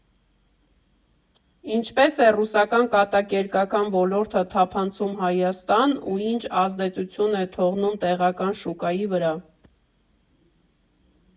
Ինչպե՞ս է ռուսական կատակերգական ոլորտը թափանցում Հայաստան ու ինչ ազդեցություն է թողնում տեղական շուկայի վրա։